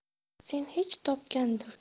seni kech topgandim